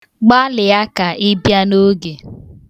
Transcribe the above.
Gbalịa ka ị bịa n'oge.